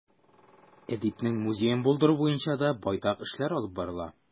Әдипнең музеен булдыру буенча да байтак эшләр алып барыла.